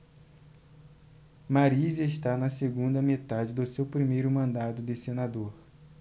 mariz está na segunda metade do seu primeiro mandato de senador